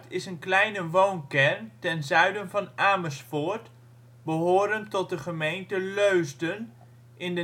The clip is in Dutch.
is een kleine woonkern ten zuiden van Amersfoort, behorend tot de gemeente Leusden, in